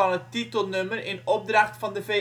het titelnummer in opdracht van de VN